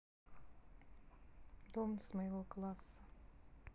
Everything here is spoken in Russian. down с моего класса